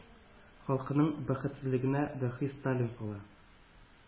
Халкының бәхетсезлегенә, “даһи” сталин кала.